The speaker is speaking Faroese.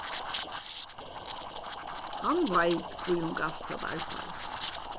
hann veit hví hon gavst at arbeiða